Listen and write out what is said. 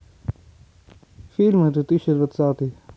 фильмы две тысячи двадцатый